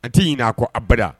An t tɛ ɲinin a ko abada